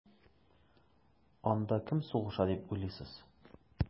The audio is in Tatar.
Анда кем сугыша дип уйлыйсыз?